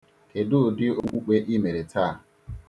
Kedụ ụdị okpukpe i mere taa?